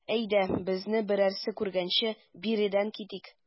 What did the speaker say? Әйдә, безне берәрсе күргәнче биредән китик.